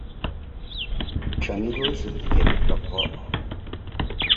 ฉันรู้สึกเจ็บกระเพาะ